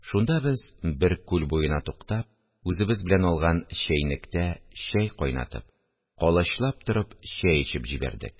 Шунда без, бер күл буена туктап, үзебез белән алган чәйнектә чәй кайнатып, калачлап торып чәй эчеп җибәрдек